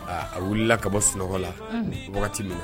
Aaa a wulila ka bɔ sun la wagatilu